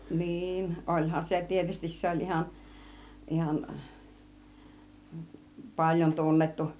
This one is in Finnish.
niin olihan se tietysti se oli ihan ihan paljon tunnettu